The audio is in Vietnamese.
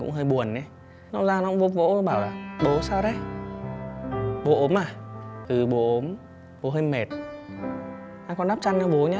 cũng hơi buồn í nó ra nó cũng vỗ vỗ bảo là bố sao đấy bố ốm à ừ bố ốm bố hơi mệt thế con đắp chăn cho bố nhá